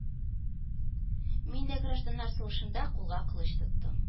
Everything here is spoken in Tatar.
Мин дә гражданнар сугышында кулга кылыч тоттым